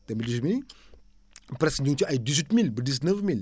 deux mille dix huit bi nii presque ñu ngi ci ay dix huit mille ba dix neuf mille